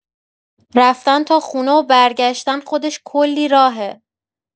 رفتن تا خونه و برگشتن خودش کلی راهه.